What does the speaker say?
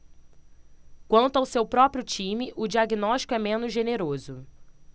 quanto ao seu próprio time o diagnóstico é menos generoso